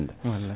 wallay